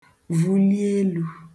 vuli elū